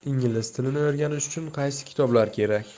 ingliz tilini o'rganish uchun qaysi kitoblar kerak